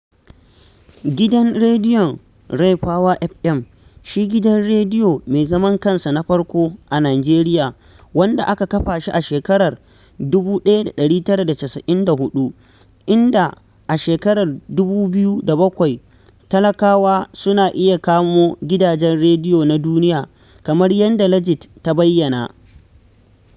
Gidan rediyon RayPower FM shi gidan Rediyo mai zaman kansa na farko a Nijeriya, wanda aka kafa shi a shekarar 1994, inda a shekarar 2007 talakawa suna iya kamo gidajen rediyo na duniya, kamar yadda Ligit ta bayyana.